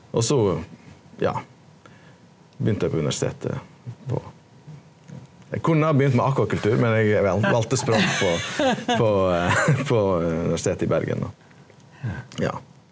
og so ja begynte eg på universitetet på eg kunne ha begynt med akvakultur men eg valde språk på på på Universitetet i Bergen då ja.